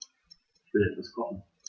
Ich will etwas kochen.